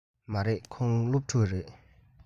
མ རེད ཁོང སློབ ཕྲུག རེད